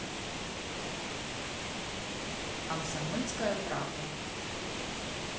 комсомольская правда